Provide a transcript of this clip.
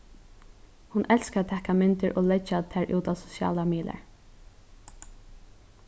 hon elskar at taka myndir og leggja tær út á sosialar miðlar